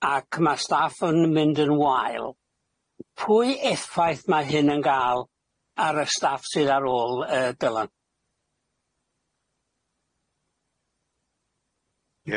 ac ma' staff yn mynd yn wael, pwy effaith ma' hyn yn ga'l ar y staff sydd ar ôl yy Dylan?